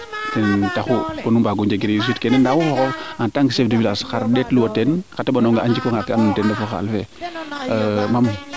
taxu pour mbaago njeg reussite kene nda wo fa xoxox en tant que chef du village xar ndeetluwo teen xa teɓanonga xe a njikwa nga ke ando naye ten refu xaal fe